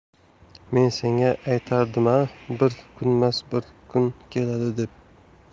men senga aytardim a bir kunmas bir kun keladi deb